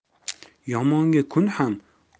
yomonga kun ham